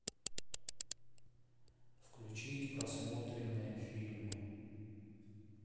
включить просмотренные фильмы